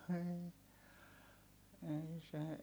ei ei se